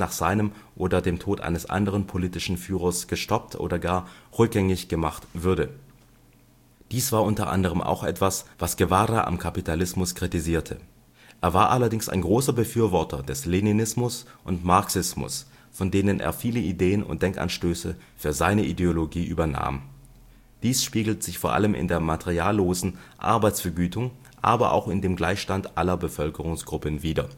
seinem oder dem Tod eines anderen politischen Führers gestoppt oder gar rückgängig gemacht würde. Dies war unter anderem auch etwas, was Guevara am Kapitalismus kritisierte. Er war allerdings ein großer Befürworter des Leninismus und Marxismus, von denen er viele Ideen und Denkanstöße für seine Ideologie übernahm. Dies spiegelt sich vor allem in der materiallosen Arbeitsvergütung, aber auch in dem Gleichstand aller Bevölkerungsgruppen wieder